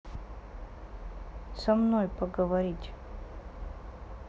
со мной поговорить